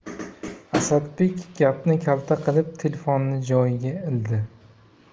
asadbek gapni kalta qilib telefonni joyiga ildi